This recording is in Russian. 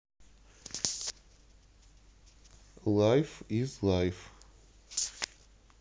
лайф из лайф